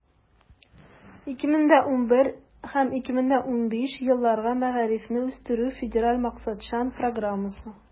2011 - 2015 елларга мәгарифне үстерү федераль максатчан программасы.